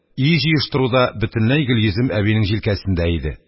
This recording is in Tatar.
Өй җыештыру да бөтенләй гөлйөзем әбинең җилкәсендә иде.